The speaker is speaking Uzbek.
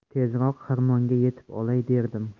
tezroq xirmonga yetib olay derdim